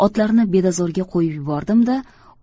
otlarni bedazorga qo'yib yubordim da